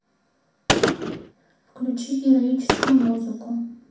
включи героическую музыку